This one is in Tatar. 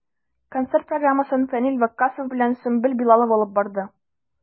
Концерт программасын Фәнил Ваккасов белән Сөмбел Билалова алып барды.